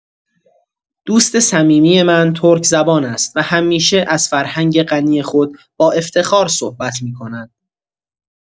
دوست صمیمی من ترک‌زبان است و همیشه از فرهنگ غنی خود با افتخار صحبت می‌کند.